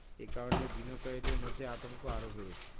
এ কারণে বিনিয়োগকারীদের মধ্যে আতঙ্ক আরও বেড়েছে